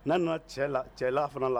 N'a nana cɛ la cɛ la fana la